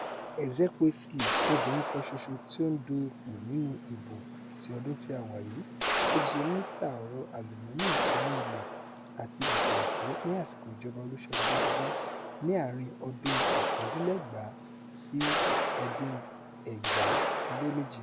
Ezekwesili, obìnrin kan ṣoṣo tí ó ń du ipò nínú ìbò ti ọdún tí a wà yìí, ó ti ṣe mínísítà ọrọ̀ àlùmọ́nì inú-ilẹ̀ àti ètò ẹ̀kọ́ ní àsìkò ìjọba Olusegun Obasanjo ní àárín ọdún 1999 sí 2007.